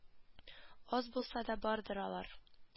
Аз булса да бардыр алар